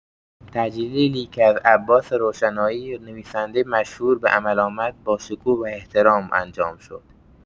تجلیلی که از عباس روشنایی، نویسنده مشهور به عمل آمد، با شکوه و احترام انجام شد.